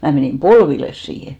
minä menin polville siihen